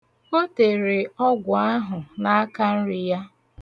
O tere ọgwụ ahụ n'akanri ya.